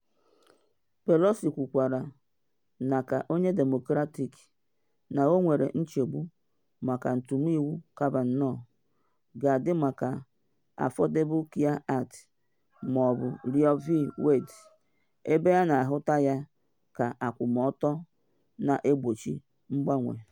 Pelosi kwukwara na ka onye Demokrat na ọ nwere nchegbu maka ntimiwu Kavanaugh ga-adị maka Affordable Care Act ma ọ bụ Roe v. Wade, ebe a na ahụta ya ka akwụmụtọ na egbochi mgbanwe.